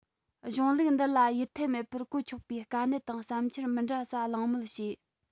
གཞུང ལུགས འདི ལ ཡིད འཐད མེད པར བཀོལ ཆོག པའི དཀའ གནད དང བསམ འཆར མི འདྲ ས གླེང མོལ བྱས